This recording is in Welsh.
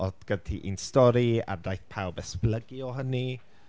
Oedd gen ti un stori a daeth pawb esblygu o hynny?